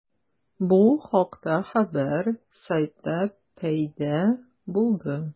Бу хакта хәбәр сайтта пәйда булды.